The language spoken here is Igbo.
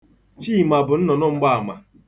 Chima bụ nnụnụ mgbaama.